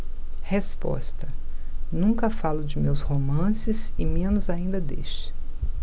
resposta nunca falo de meus romances e menos ainda deste